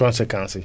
conséquences yi